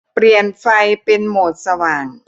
เปลี่ยนไฟเป็นโหมดสว่าง